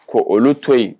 Ko olu to yen